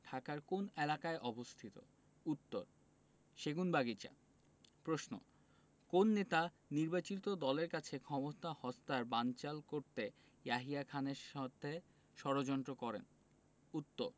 ঢাকার কোন এলাকায় অবস্থিত উত্তরঃ সেগুনবাগিচা প্রশ্ন কোন নেতা নির্বাচিত দলের কাছে ক্ষমতা হস্তার বানচাল করতে ইয়াহিয়া খানের সাথে ষড়যন্ত্র করেন উত্তরঃ